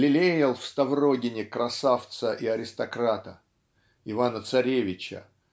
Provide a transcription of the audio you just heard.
лелеял в Ставрогине красавца и аристократа "Ивана-царевича"